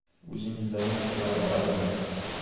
o'zingizdagi narsalarni qadrlang